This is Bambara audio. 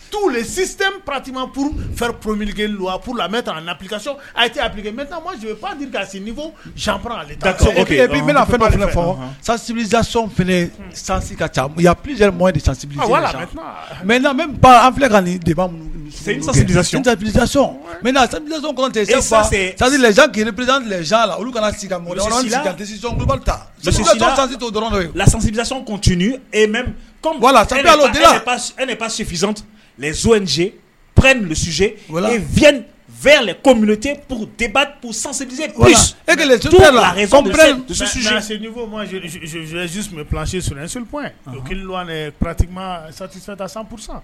Tu sisantima p lasi bɛna fɛnsi sansi ka ca pz filɛte g zsi dɔrɔn lasisiz ze psisee vse psititi